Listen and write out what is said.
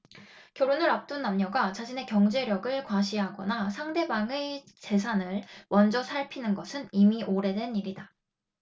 결혼을 앞둔 남녀가 자신의 경제력을 과시하거나 상대방의 재산을 먼저 살피는 것은 이미 오래된 일이다